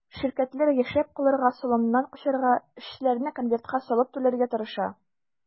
Ширкәтләр яшәп калырга, салымнан качарга, эшчеләренә конвертка салып түләргә тырыша.